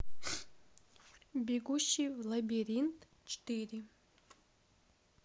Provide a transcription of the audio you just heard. бегущий в лабиринте три